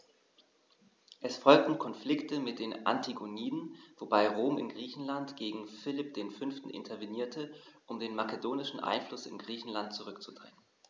Es folgten Konflikte mit den Antigoniden, wobei Rom in Griechenland gegen Philipp V. intervenierte, um den makedonischen Einfluss in Griechenland zurückzudrängen.